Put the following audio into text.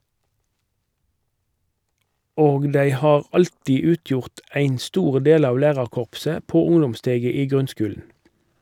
Og dei har alltid utgjort ein stor del av lærarkorpset på ungdomssteget i grunnskulen.